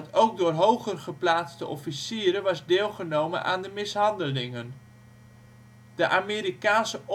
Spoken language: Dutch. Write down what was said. ook door hoger geplaatste officieren werd deelgenomen aan de mishandelingen. De Amerikaanse onderzoeksjournalist